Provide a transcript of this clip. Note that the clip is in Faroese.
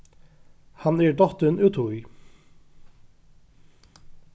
hann er dottin útí